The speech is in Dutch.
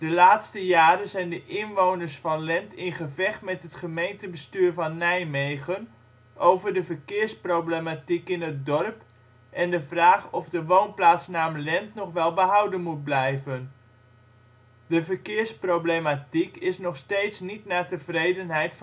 laatste jaren zijn de inwoners van Lent in gevecht met het gemeentebestuur van Nijmegen over de verkeersproblematiek in het dorp en de vraag of de woonplaatsnaam Lent nog wel behouden moet blijven. De verkeersproblematiek is nog steeds niet naar tevredenheid